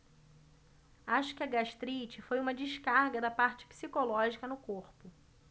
acho que a gastrite foi uma descarga da parte psicológica no corpo